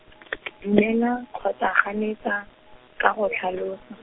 dumela, kgotsa ganetsa, ka go tlhalo.